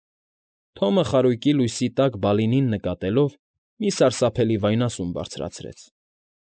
Թոմը խարույկի լույսի տակ Բալինին նկատելով, մի սարսափելի վայնասուն բարձրացրեց։